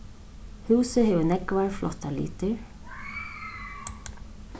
húsið hevur nógvar flottar litir